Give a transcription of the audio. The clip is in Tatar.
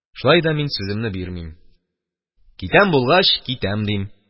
Шулай да мин сүземне бирмим: «Китәм булгач китәм», – дим